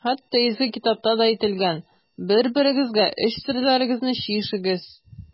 Хәтта Изге китапта да әйтелгән: «Бер-берегезгә эч серләрегезне чишегез».